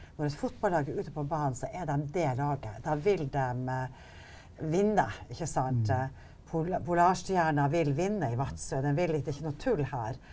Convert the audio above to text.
når et fotballag er ute på banen så er dem det laget da vil dem vinne ikke sant, Polarstjernen vil vinne i Vadsø dem vil ikke det er ikke noe tull her.